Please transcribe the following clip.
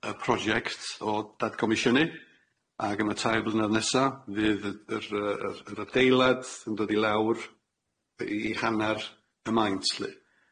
y prosiect o datcomisiynu ag yn y tair blynedd nesa fydd y- yr- y- yr- yr adeilad yn dod i lawr i hanner y maint 'lly.